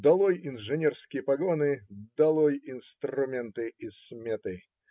Долой инженерские погоны, долой инструменты и сметы!